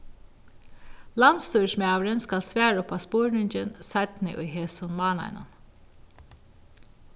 landsstýrismaðurin skal svara upp á spurningin seinni í hesum mánaðinum